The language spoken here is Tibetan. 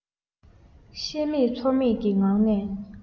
ཤེས མེད ཚོར མེད ཀྱི ངང ནས